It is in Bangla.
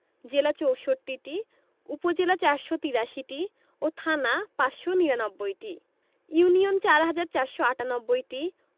জেলা ৬৪টি উপজেলা ৪৮৩টি ও থানা ৫৯৯টি ইউনিয়ন ৪হাজার ৪৯৮টি